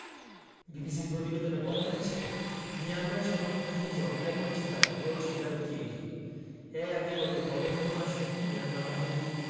বিবিসির প্রতিবেদনে বলা হয়েছে মিয়ানমার সামরিক বাহিনী যে অন্যায় করেছে তার বিরল স্বীকারোক্তি এটি এর আগে গত নভেম্বর মাসে মিয়ানমার বাহিনীর